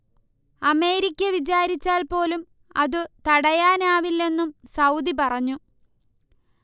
America വിചാരിച്ചാൽ പോലും അതു തടയാനാവില്ലെന്നും സൗദി പറഞ്ഞു